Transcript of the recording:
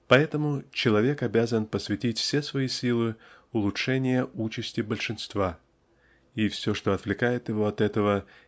поэтому человек обязан посвятить все свои силы улучшению участи большинства и все что отвлекает его от этого